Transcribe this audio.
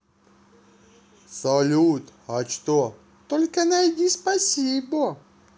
салют а что только найди спасибо